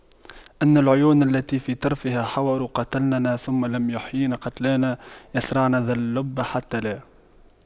إن العيون التي في طرفها حور قتلننا ثم لم يحيين قتلانا يَصرَعْنَ ذا اللب حتى لا